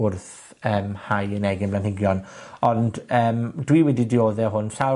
wrth yym hau 'yn egin blanhigion. Ond yym, dwi wedi diodde hwn sawl